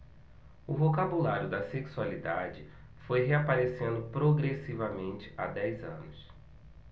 o vocabulário da sexualidade foi reaparecendo progressivamente há dez anos